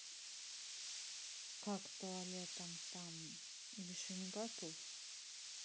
как туалетом там еще не готов